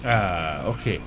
ah ok